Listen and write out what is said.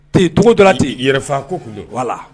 Cogo dɔ ten yɛrɛ ko wala